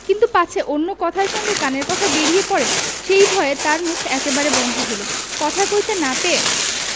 কিন্তু পাছে অন্য কথার সঙ্গে কানের কথা বেরিয়ে পড়ে সেই ভয়ে তার মুখ একেবারে বন্ধ হল কথা কইতে না পেয়ে